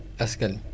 askan